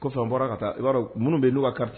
Kɔfɛ bɔra ka taa ia minnu bɛ n' ka karisa